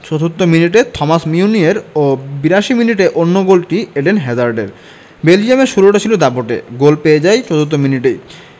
চতুর্থ মিনিটে থমাস মিউনিয়ের ও ৮২ মিনিটে অন্য গোলটি এডেন হ্যাজার্ডের বেলজিয়ামের শুরুটা ছিল দাপুটে গোল পেয়ে যায় চতুর্থ মিনিটেই